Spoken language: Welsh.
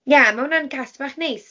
Ie, mae hwnna'n cast bach neis.